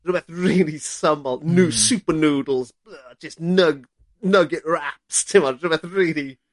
rwbeth rili syml... Hmm. ...nw- Super Noodles bleugh jyst nug- nugget wraps t'mod rwbwth rili